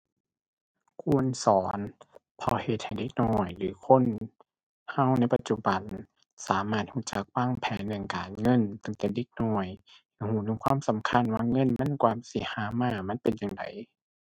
ควรสอนเพราะเฮ็ดให้เด็กน้อยหรือคนเราในปัจจุบัน สามารถเราจักวางแผนเรื่องการเงินตั้งแต่เด็กน้อย ให้เราถึงความสำคัญว่าเงินมันกว่าสิหามา มันเป็นจั่งใด